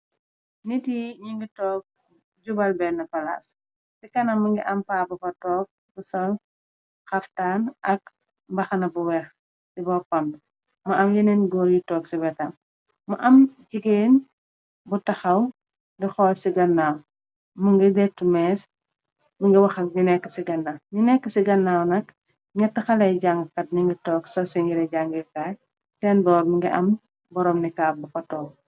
Ñit yi ñi ngi toog jubal benn palas, ci kanam mu ngi am paa bu faa toog sol haftaan ak mbahana bu weeh ci bo pomb bi. Mu am yeneen góor yi toog ci wetam. Mu am jigéen bu tahaw di hool ci gannaaw, mu ngi lettu mees, mu ngi wah ak ni nekk ci gannaw. ni nekk ci gannaaw nak ñett haley jàngkat nu ngi toog sol seen jireh jàngay kay, seen boo mu ngi am boroom niqab bu fa toog.